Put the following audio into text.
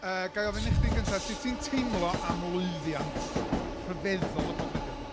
Yy. Ga i ofyn i chdi'n gyntaf, sut ti'n teimlo am lwyddiant rhyfeddol y podlediad yma?